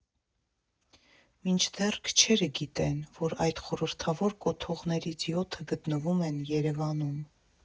Մինչդեռ քչերը գիտեն, որ այդ խորհրդավոր կոթողներից յոթը գտնվում են Երևանում։